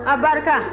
abarika